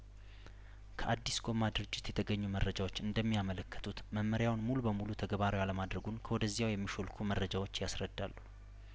ከአዲስ ጐማ ድርጅት የተገኙ መረጃዎች እንደሚያመለክቱት መመሪያውን ሙሉ በሙሉ ተግባራዊ አለማድረጉን ከወደዚያው የሚሾልኩ መረጃዎች ያስረዳሉ